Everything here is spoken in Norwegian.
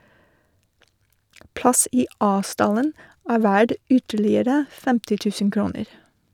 Plass i A-stallen er verd ytterligere 50 000 kroner.